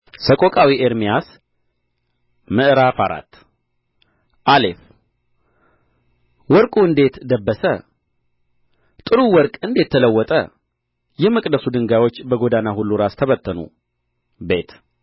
ሰቆቃዊ ኤርምያስ ምዕራፍ አራት አሌፍ ወርቁ እንዴት ደበሰ ጥሩው ወርቅ እንዴት ተለወጠ የመቅደሱ ድንጋዮች በጐዳና ሁሉ ራስ ተበተኑ ቤት